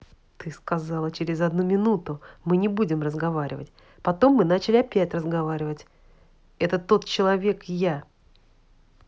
ты сказала через одну минуту мы не будем разговаривать потом мы начали опять разговаривать это тот человек я